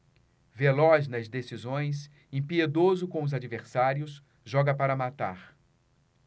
veloz nas decisões impiedoso com os adversários joga para matar